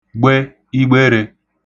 gbe igberē